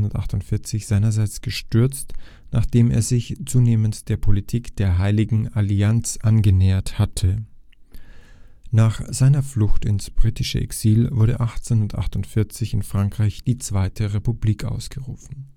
1848 seinerseits gestürzt, nachdem er sich zunehmend der Politik der Heiligen Allianz angenähert hatte. Nach seiner Flucht ins britische Exil wurde 1848 in Frankreich die Zweite Republik ausgerufen